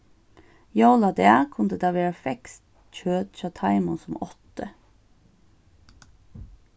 jóladag kundi tað vera feskt kjøt hjá teimum sum áttu